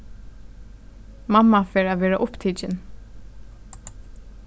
mamma fer at verða upptikin